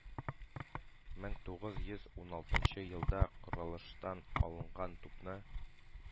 Мең тугыз йөз уналтынчы елда коралланыштан алынган тупны,